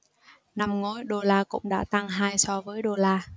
năm ngoái đô la cũng đã tăng hai so với đô la